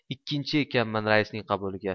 ikkinchi ekanman raisning qabuliga